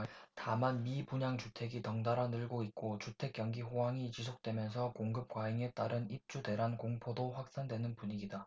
다만 미분양 주택이 덩달아 늘고 있고 주택경기 호황이 지속되면서 공급과잉에 따른 입주대란 공포도 확산되는 분위기다